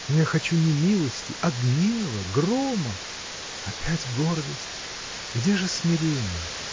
Но я хочу не милости, а гнева, грома. Опять гордость! где же смирение?